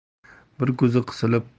bir ko'zi qisilib